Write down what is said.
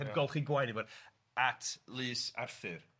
heb golchi gwaed at Lys Arthur... Ia...